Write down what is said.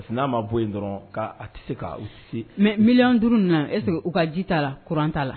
N'a ma bɔ yen dɔrɔn' a tɛ se ka mi duuru nana na ese u ka ji t'a la kuran'a la